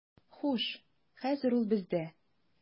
Хуш, хәзер ул бездә.